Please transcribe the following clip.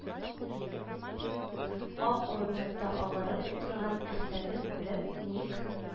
Ак урындыкта агарып утырган әхтәмне күреп: – ник,